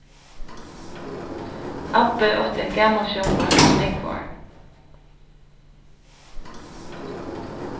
abbi átti eitt gamalt sjónvarp í nógv ár